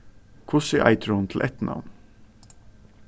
hvussu eitur hon til eftirnavn